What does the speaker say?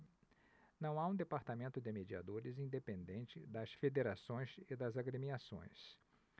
não há um departamento de mediadores independente das federações e das agremiações